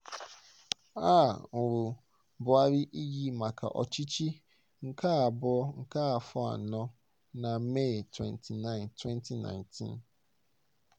A ṅụrụ Buhari iyi maka ọchịchị nke abụọ nke afọ anọ na Mee 29, 2019.